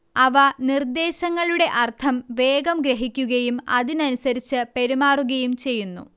അവ നിർദ്ദേശങ്ങളുടെ അർത്ഥം വേഗം ഗ്രഹിക്കുകയും അതിനനുസരിച്ച് പെരുമാറുകയും ചെയ്യുന്നു